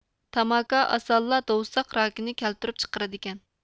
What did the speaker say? تاماكا ئاسانلا دوۋساق راكىنى كەلتۈرۈپ چىقىرىدىكەن